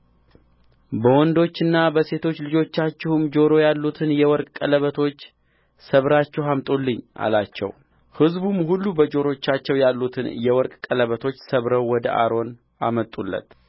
በወንዶችና በሴቶች ልጆቻችሁም ጆሮ ያሉትን የወርቅ ቀለበቶች ሰብራችሁ አምጡልኝ አላቸው ሕዝቡም ሁሉ በጆሮቻቸው ያሉትን የወርቅ ቀለበቶች ሰብረው ወደ አሮን አመጡለት